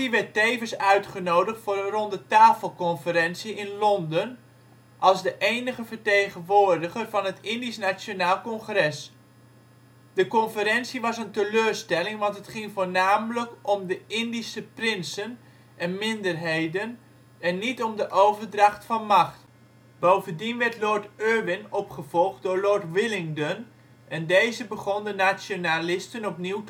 werd tevens uitgenodigd voor een rondetafelconferentie in Londen als de enige vertegenwoordiger van het Indisch Nationaal Congres. De conferentie was een teleurstelling want het ging voornamelijk om de Indische prinsen en minderheden en niet om de overdracht van macht. Bovendien werd Lord Irwin opgevolgd door Lord Willingdon en deze begon de nationalisten opnieuw